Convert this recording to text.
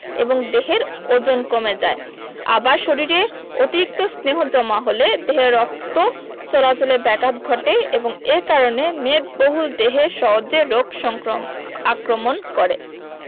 এবং দেহের ওজন কমে যায় আবার শরীরে অতিরিক্ত স্নেহ জমা হলে দেহে রক্ত চলাচলে ব্যাঘাত ঘটে এবং এ কারণে মেদবহুল দেহে সহজে রোগ সঙ্ক্র আক্রমণ করে